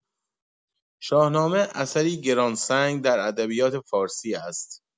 شاهنامه اثری گران‌سنگ در ادبیات فارسی است.